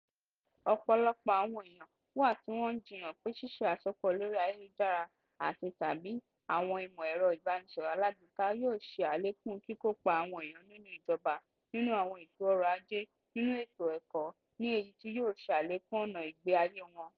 Ọ̀pọ̀lọpọ̀ àwọn èèyàn wà tí wọ́n jiyàn pé ṣíṣe àsopọ̀ lórí ayélujára àti/tàbí àwọn ìmọ̀ ẹ̀rọ ìbánisọ̀rọ̀ alágbèéká yóò ṣe àlékún kíkópa àwọn èèyàn nínú ìjọba, nínú àwọn ètò ọ̀rọ̀ ajé, nínú ètò ẹ̀kọ́ ní èyí tí yóò ṣe àlékún ọ̀nà ìgbé ayé wọn.